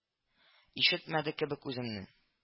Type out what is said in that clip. Ишетмәде кебек үземне